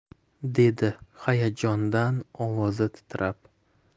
dedi hayajondan ovozi titrab